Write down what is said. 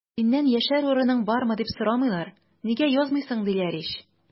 Синнән яшәр урының бармы, дип сорамыйлар, нигә язмыйсың, диләр ич!